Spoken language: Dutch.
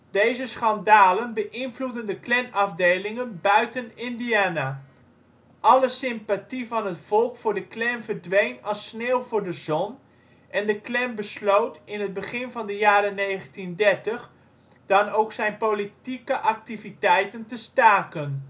Deze schandalen beïnvloedden de Klanafdelingen buiten Indiana. Alle sympathie van het volk voor de Klan verdween als sneeuw voor de zon en de Klan besloot in het begin van de jaren 1930 dan ook om zijn politieke activiteiten te staken